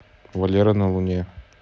валера на луне